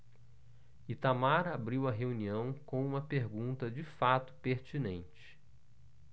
itamar abriu a reunião com uma pergunta de fato pertinente